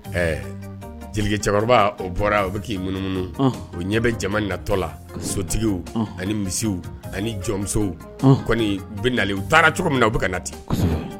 Ɛɛ jelikɛ cɛkɔrɔba o bɔra u bɛ k'i munumunu; Ɔn; O ɲɛ bɛ jama natɔ la sotigiw ani misiw ani jɔnmusow?o kɔnni o bɛ nalen, u taara cogo min na u bɛ ka na ten. Kosɛbɛ.